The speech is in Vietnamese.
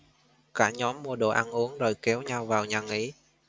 cả nhóm mua đồ ăn uống rồi kéo nhau vào nhà nghỉ